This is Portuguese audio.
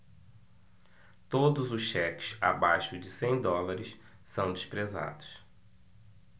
todos os cheques abaixo de cem dólares são desprezados